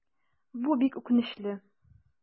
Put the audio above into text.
Бу бик үкенечле.